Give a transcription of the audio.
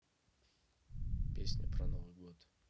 песня про новый год